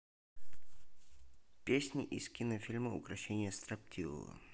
песни из кинофильма укрощение строптивого